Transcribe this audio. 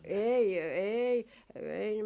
ei ei ei -